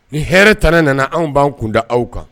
Ni hɛrɛ tana nana an b'an kunda aw kan